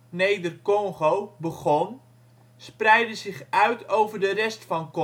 Neder-Congo) begon, spreidde zich uit over de rest van Congo